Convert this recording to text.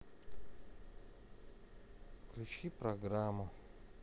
включи программу